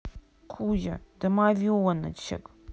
кузя домовеночек